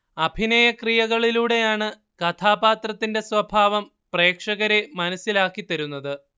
അഭിനയ ക്രിയകളിലൂടെയാണ് കഥാപാത്രത്തിന്റെ സ്വഭാവം പ്രേക്ഷകരെ മനസ്സിലാക്കിതരുന്നത്